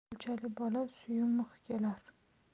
kulchali bola suyumh kelar